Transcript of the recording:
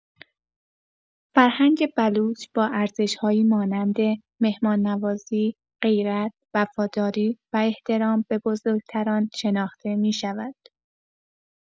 فرهنگ بلوچ با ارزش‌هایی مانند مهمان‌نوازی، غیرت، وفاداری و احترام به بزرگ‌تران شناخته می‌شود.